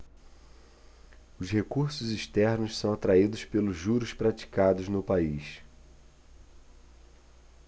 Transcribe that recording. os recursos externos são atraídos pelos juros praticados no país